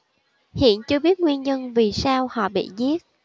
hiện chưa biết nguyên nhân vì sao họ bị giết